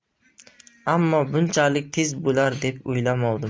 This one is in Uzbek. ammo bunchalik tez bo'lar deb o'ylamovdim